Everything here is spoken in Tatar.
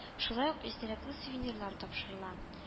Шулай ук истәлекле сувенирлар, тапшырыла